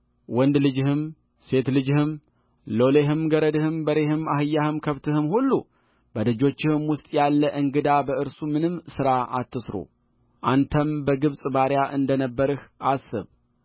ወንድ ልጅህም ሴት ልጅህም ሎሌህም ገረድህም በሬህም አህያህም ከብትህም ሁሉ በደጆችህም ውስጥ ያለ እንግዳ በእርሱ ምንም ሥራ አትሥሩአንተም በግብፅ ባሪያ እንደ ነበርህ አስብ